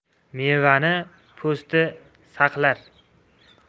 mevani po'sti saqlar